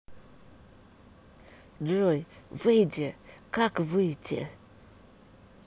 джой выйди как выйти